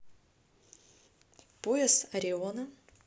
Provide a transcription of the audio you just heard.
пояс ориона